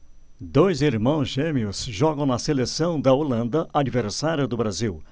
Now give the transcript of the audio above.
dois irmãos gêmeos jogam na seleção da holanda adversária do brasil